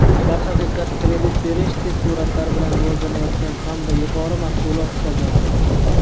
darhaqiqat kredit berish tez sur'atlar bilan rivojlanayotgan hamda yuqori mahsulot hisoblanadi